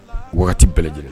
Bɛɛ lajɛlen